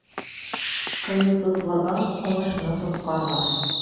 Кыюсызлыгың уңышны тоткарлар.